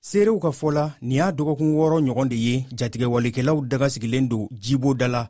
seerew ka fɔ la nin y'a dɔgɔkun wɔɔrɔ ɲɔgɔn de ye jatigɛ walekɛlaw daga sigilen don jibo da la